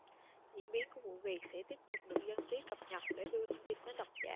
diễn biến của vụ việc sẽ tiếp tục được dân trí cập nhật để đưa thông tin đến độc giả